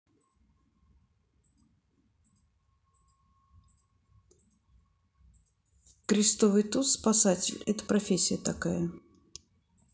крестовый туз спасатель это профессия такая